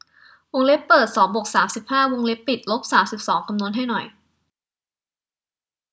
วงเล็บเปิดสองบวกสามสิบห้าวงเล็บปิดลบสามสิบสองคำนวณให้หน่อย